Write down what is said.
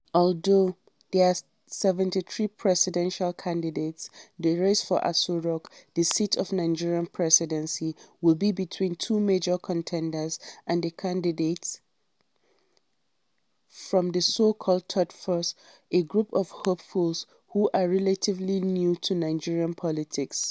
Although there are 73 presidential candidates, the race for Aso Rock — the seat of Nigeria's presidency — will be between two major contenders and candidates from the so-called "third force", a group of hopefuls who are relatively new to Nigerian politics.